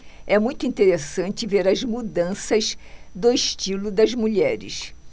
é muito interessante ver as mudanças do estilo das mulheres